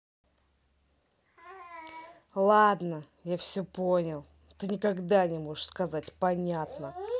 ладно я все понял ты никогда не можешь сказать понятно